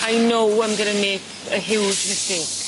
I know I'm gonna make a huge mistake.